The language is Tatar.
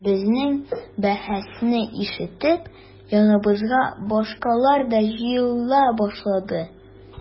Безнең бәхәсне ишетеп яныбызга башкалар да җыела башлады.